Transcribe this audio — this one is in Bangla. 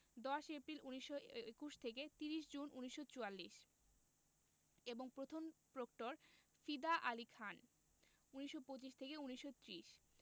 ১০ এপ্রিল ১৯২১ থেকে ৩০ জুন ১৯৪৪ এবং প্রথম প্রক্টর ফিদা আলী খান ১৯২৫ ১৯৩০